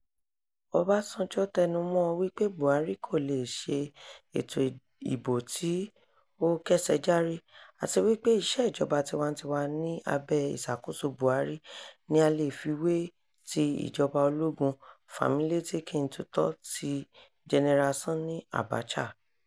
Ọbásanjọ́ tẹnu mọ́ ọn wípé Buhari kò leè "ṣe ètò ìbò tí ó kẹ́sẹjárí", àti wípé ìsèjọba tiwantiwa ní abẹ́ ìṣàkóso Buhari ni a lè fi wé tí ìjọba ológun fàmílétè-kí-n-tutọ́ọ ti Gen. Sani Abacha.